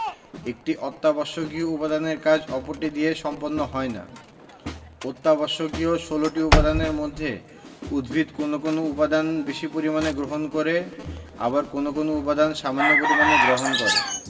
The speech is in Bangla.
একটি অত্যাবশ্যকীয় উপাদানের কাজ অপরটি দিয়ে সম্পন্ন হয় না অত্যাবশ্যকীয় ১৬ টি উপাদানের মধ্যে উদ্ভিদ কোনো কোনো উপাদান বেশি পরিমাণে গ্রহণ করে আবার কোনো কোনো উপাদান সামান্য পরিমাণে গ্রহণ করে